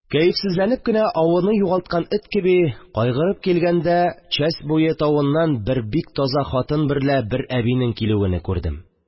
Кәефсезләнеп кенә, авыны югалткан эт кеби кайгырып килгәндә, часть буе тавыннан бер бик таза хатын берлә бер әбинең килүене күрдем